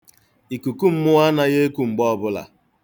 Ikukummụọ anaghị eku mgbe ọbụla.